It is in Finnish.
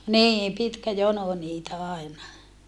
niin pitkä jono niitä aina